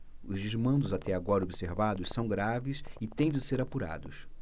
os desmandos até agora observados são graves e têm de ser apurados